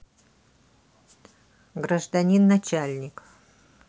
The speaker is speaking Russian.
гражданин начальник